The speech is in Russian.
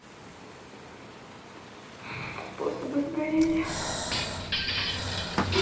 способы сгорели